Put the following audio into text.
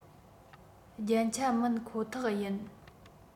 རྒྱན ཆ མིན ཁོ ཐག ཡིན